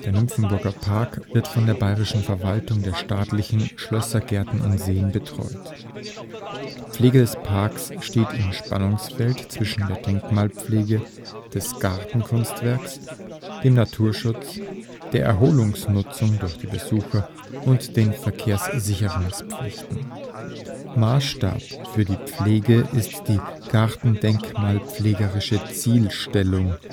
Nymphenburger Park wird von der Bayerischen Verwaltung der staatlichen Schlösser, Gärten und Seen betreut. Die Pflege des Parks steht im Spannungsfeld zwischen der Denkmalpflege des Gartenkunstwerks, dem Naturschutz, der Erholungsnutzung durch die Besucher und den Verkehrssicherungspflichten. Maßstab für die Pflege ist die „ Gartendenkmalpflegerische Zielstellung